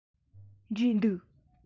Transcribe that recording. འབྲས འདུག